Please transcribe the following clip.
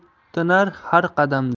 turtinar har qadamda